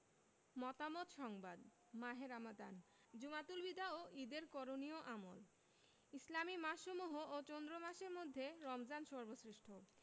মতামত সংবাদ মাহে রমাদান জুমাতুল বিদা ও ঈদের করণীয় আমল ইসলামি মাসসমূহ ও চন্দ্রমাসের মধ্যে রমজান সর্বশ্রেষ্ঠ